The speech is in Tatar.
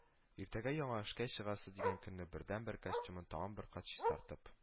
Иртәгә яңа эшкә чыгасы дигән көнне бердәнбер костюмын тагын бер кат чистартып